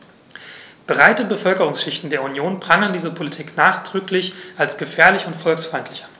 Breite Bevölkerungsschichten der Union prangern diese Politik nachdrücklich als gefährlich und volksfeindlich an.